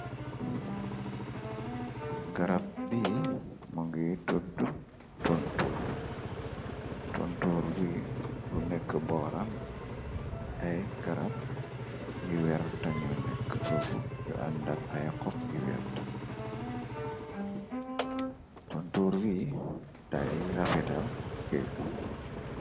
Garab bii mo ngiy tuddu tunturr, tunturr bii lu nekk booram ay garab yu werta ñoo nekk fofu yu àndak ay xof yu wert. Tuntuur Yii daliy rafetal kerr.